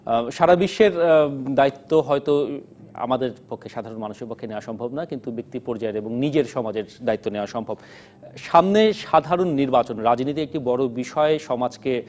সারা বিশ্বের দায়িত্ব হয়তো আমাদের পক্ষে সাধারণ মানুষের পক্ষে দেয়া সম্ভব নয় কিন্তু ব্যক্তি পর্যায়ের এবং নিজের সমাজের দায়িত্ব নেয়া সম্ভব সাধারণ নির্বাচন রাজনীতি একটি বিষয় সমাজকে